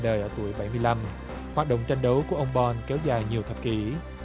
đời ở tuổi bảy mươi lăm hoạt động trận đấu của ông bon kéo dài nhiều thập kỉ